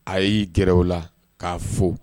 A y'i g o la k'a fo